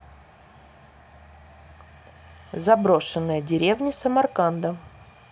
заброшенная деревня самарканда